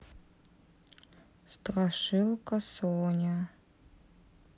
страшилка соня